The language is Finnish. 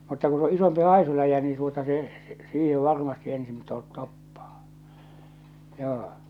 mutta kun se on isompi haisuläjä niin tuota se siihen varmasti ensin - toppaa joo